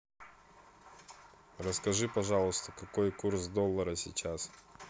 расскажи пожалуйста какой курс доллара сейчас